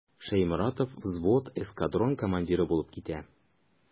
Шәйморатов взвод, эскадрон командиры булып китә.